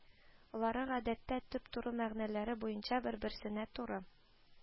Лары гадәттә төп, туры мәгънәләре буенча бер-берсенә туры